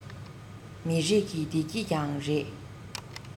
མི རིགས ཀྱི བདེ སྐྱིད ཡང རེད